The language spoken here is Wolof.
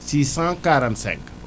645